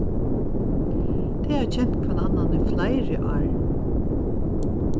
tey hava kent hvønn annan í fleiri ár